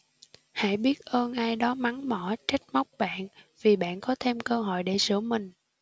hãy biết ơn ai đó mắng mỏ trách móc bạn vì bạn có thêm cơ hội để sửa mình